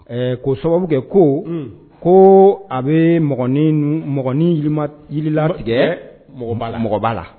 Ɛ ko, un, ko sababukɛ ko ko a bɛ mɔgɔni kɛ mɔgɔba la